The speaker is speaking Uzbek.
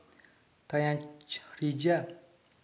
tayanch reja